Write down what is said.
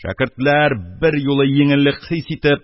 Шәкертләр, берьюлы йиңеллек хис итеп